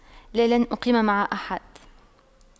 لا لن اقيم مع أحد